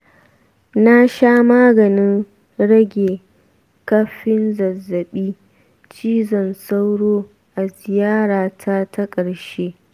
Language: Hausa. na sha maganin riga-kafin zazzabin cizon sauro a ziyarata ta ƙarshe